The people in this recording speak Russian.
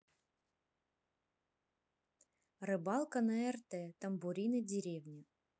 рыбалка на рт тамбурины деревня